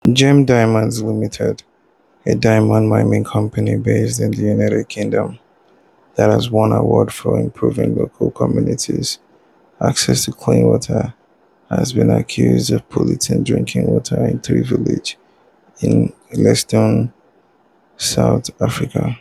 Gem Diamonds Limited, a diamond mining company based in the United Kingdom that has won awards for improving local communities’ access to clean water, has been accused of polluting drinking water in three villages in Lesotho, southern Africa.